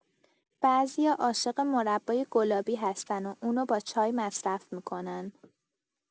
بعضیا عاشق مربای گلابی هستن و اونو با چای مصرف می‌کنن.